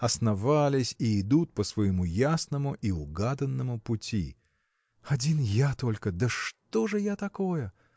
основались и идут по своему ясному и угаданному пути. Один я только. да что же я такое?